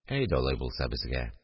– әйдә, алай булса безгә